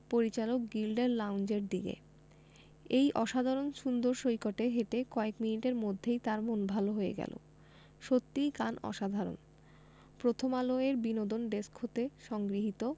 পরিচালক গিল্ডের লাউঞ্জের দিকে এই অসাধারণ সুন্দর সৈকতে হেঁটে কয়েক মিনিটের মধ্যেই তার মন ভালো হয়ে গেল সত্যিই কান অসাধারণ প্রথমআলো এর বিনোদন ডেস্ক হতে সংগৃহীত